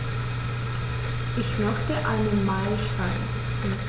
Ich möchte eine Mail schreiben.